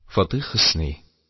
Фатих Хөсни